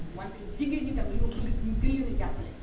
wante jigéen yi tamit ñoom tamit ñu gën leen jàppale